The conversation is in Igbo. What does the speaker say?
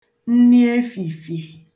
nni efìfiè